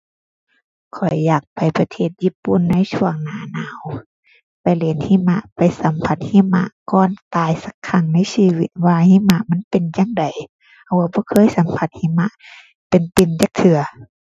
ข้อยอยากไปประเทศญี่ปุ่นในช่วงหน้าหนาว ไปเล่นหิมะ ไปสัมผัสหิมะก่อนตายสักครั้งในชีวิตว่าหิมะเป็นจั่งใด เพราะว่าบ่เคยสัมผัสหิมะเป็นเป็นจักเทื่อ